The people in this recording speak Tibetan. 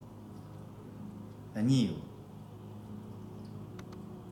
གཉིས ཡོད